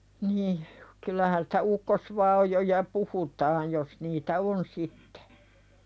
niin kyllähän sitä ukkosvaajoja puhutaan jos niitä on sitten